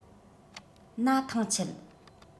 ན ཐང ཆད